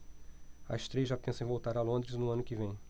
as três já pensam em voltar a londres no ano que vem